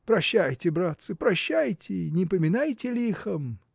– Прощайте, братцы, прощайте, не поминайте лихом!